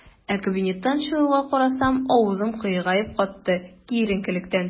Ә кабинеттан чыгуга, карасам - авызым кыегаеп катты, киеренкелектән.